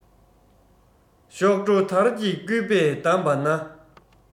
གཤོག སྒྲོ དར གྱི སྐུད པས བསྡམས པ ན